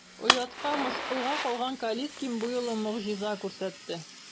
Оятка, мыскылга калган Калиткин бу юлы могҗиза күрсәтте.